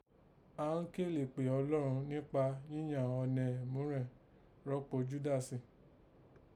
Àán kélè kpè Ọlọ́run níkpa yíyàn ọnẹ múrẹ̀n rọ́pò Júdásì